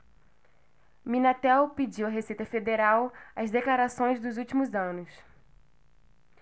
minatel pediu à receita federal as declarações dos últimos anos